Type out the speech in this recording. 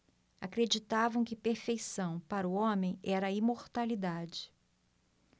acreditavam que perfeição para o homem era a imortalidade